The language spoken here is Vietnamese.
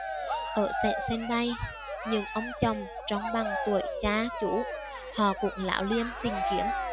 ở sảnh sân bay những ông chồng trông bằng tuổi cha chú họ cũng láo liên tìm kiếm